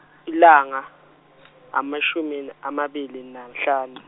ilanga, ngamashumi amabili nanhlan-.